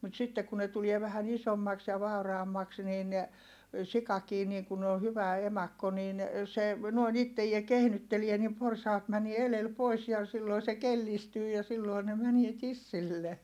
mutta sitten kun ne tulee vähän isommaksi ja vauraammaksi niin sikakin niin kun on hyvä emakko niin se noin itseään kehnyttelee niin porsaat menee edellä pois ja silloin se kellistyy ja silloin ne menee tissille